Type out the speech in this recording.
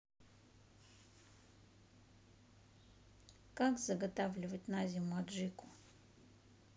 как заготавливать на зиму аджику